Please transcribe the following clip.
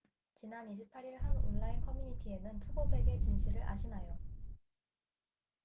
지난 이십 팔 일 한 온라인 커뮤니티에는 투고백의 진실을 아시나요